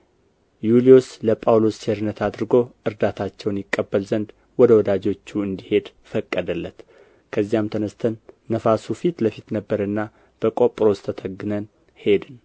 ዩልዮስ ለጳውሎስ ቸርነት አድርጎ እርዳታቸውን ይቀበል ዘንድ ወደ ወዳጆቹ እንዲሄድ ፈቀደለት ከዚያም ተነሥተን ነፋሱ ፊት ለፊት ነበረና በቆጵሮስ ተተግነን ሄድን